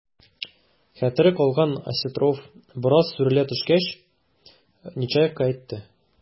Хәтере калган Осетров, бераз сүрелә төшкәч, Нечаевка әйтте: